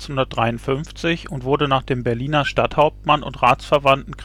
Berliner Stadthauptmann und Ratsverwandten